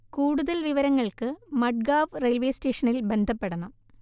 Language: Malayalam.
കൂടുതൽ വിവരങ്ങൾക്ക് മഡ്ഗാവ് റെയിൽവേ സ്റ്റേഷനിൽ ബന്ധപ്പെടണം